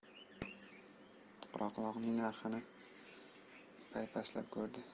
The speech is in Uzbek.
qoraquloqning qornini paypaslab ko'rdi